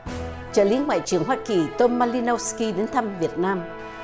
trợ lý ngoại trưởng hoa kỳ tôm ma li nâu sờ ki đến thăm việt nam